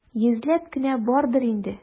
Йөзләп кенә бардыр инде.